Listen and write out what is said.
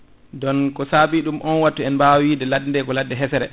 ɗon ko saabi ɗum on wabtu en baawa wiide ladde nde ko ladde hesere